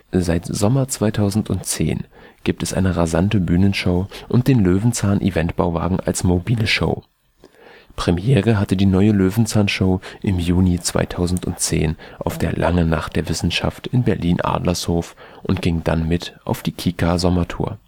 Seit Sommer 2010 gibt es eine rasante Bühnenshow und den Löwenzahn-Eventbauwagen als mobile Show. Premiere hatte die neue Löwenzahn-Show im Juni 2010 auf der „ Langen Nacht der Wissenschaften “in Berlin-Adlershof und ging dann mit auf die Kika-Sommertour